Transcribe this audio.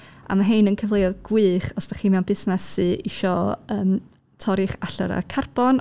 A ma' rhein yn cyfleoedd gwych os dych chi mewn busnes sy isio, yym, torri'ch allyrriau carbon